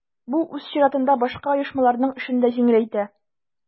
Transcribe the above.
Бу үз чиратында башка оешмаларның эшен дә җиңеләйтә.